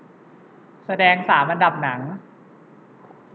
แสดงสามอันดับหนัง